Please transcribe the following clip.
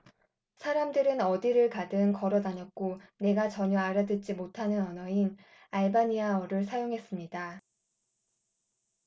사람들은 어디를 가든 걸어 다녔고 내가 전혀 알아듣지 못하는 언어인 알바니아어를 사용했습니다